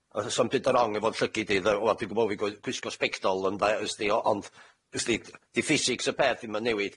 oh- sa'n byd yn rong efo'n llygid i. Ddy- wel, dwi'n gwbo bo' fi gw- gwisgo sbectol ynde, y's di, o- ond y's di d- 'di ffisics y peth ddim yn newid.